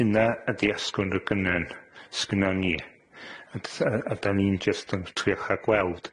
Hunna ydi asgwrn y gynnen s'gynnan ni, ond s- yy ydan ni'n jyst yn trio rhagweld